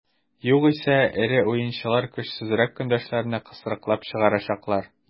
Югыйсә эре уенчылар көчсезрәк көндәшләрне кысрыклап чыгарачаклар.